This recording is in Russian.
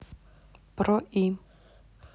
про и